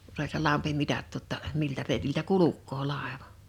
kun se oli se lampi mitattu jotta miltä reitiltä kulkee laiva